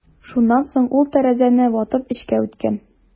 Шуннан соң ул тәрәзәне ватып эчкә үткән.